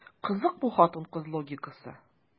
Кызык бу хатын-кыз логикасы.